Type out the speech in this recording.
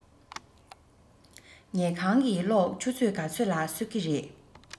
ཉལ ཁང གི གློག ཆུ ཚོད ག ཚོད ལ གསོད ཀྱི རེད